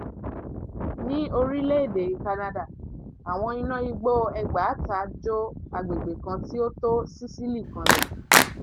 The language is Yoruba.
Ní orílẹ̀-èdè Canada, àwọn iná igbó 6,000 jó agbègbè kan tí ó tó Sicily kanlẹ̀.